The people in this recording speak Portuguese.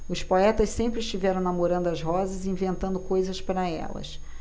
os poetas sempre estiveram namorando as rosas e inventando coisas para elas